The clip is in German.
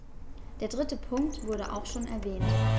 Der dritte Punkt wurde auch schon erwähnt.